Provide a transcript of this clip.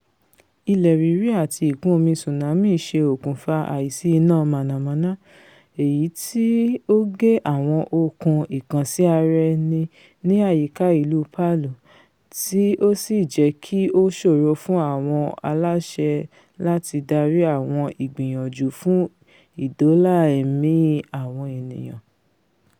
Ilẹ̀ rírì àti ìkún-omi tsunami ṣe okùnfà àìsí iná mànàmáná èyití ó gé àwọn okùn ìkànsí-ara-ẹni ní àyíká ìlú Palu tí ó sì jẹ́kí ó ṣòro fun àwọn aláṣẹ làti darí àwọn igbiyanju fún ìdóòlà-ẹ̀mí àwọn ènìyàn.